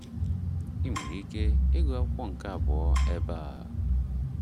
I nwere ike ịgụ akụkụ nke abụọ ebe a.